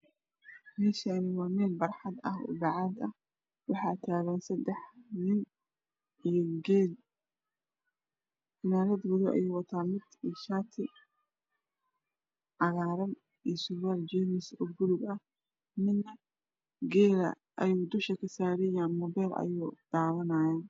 Meshaani waa mel barxad ah bacaad ah waxaa tagan sedax nin iyo geel funaanad madoow ayuu wataa iyo shati cagaran iyo sirwal jinis oo bulug ah midna heela ayuu dusha ka saran yahay mobel ayuu dawanaya